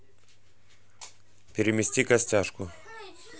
перемести костяшку